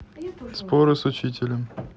споры с учителем